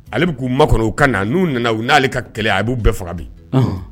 Ale bɛ k'u ma kɔnɔw ka na n'u nana u n'ale ka kɛlɛ a b'u bɛɛ faga bi